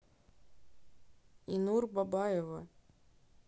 inur бабаева